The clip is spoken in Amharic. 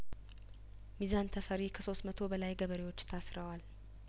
ሚዛን ተፈሪ ከሶስት መቶ በላይ ገበሬዎች ታስረዋል